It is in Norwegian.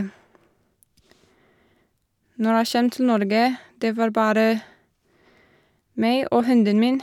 Når jeg kjem til Norge, det var bare meg og hunden min.